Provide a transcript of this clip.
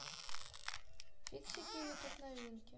фиксики ютуб новинки